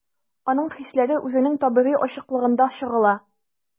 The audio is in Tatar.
Аның хисләре үзенең табигый ачыклыгында чагыла.